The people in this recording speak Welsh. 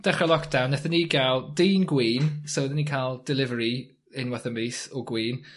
Dechre lockdown nethon ni ga'l dyn gwin so odden ni'n ca'l 'delivery* unwaith y mis, o gwin,